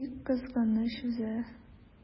Бик кызганыч үзе!